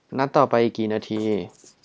นัดต่อไปอีกกี่นาที